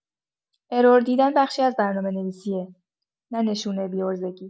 ارور دیدن بخشی از برنامه‌نویسیه، نه نشونه بی‌عرضگی.